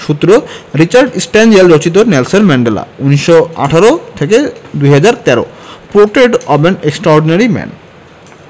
সূত্র Richard Stengel রচিত Nelson Mandela ১৯১৮ থেকে ২০১৩ portrait of an extraordinary man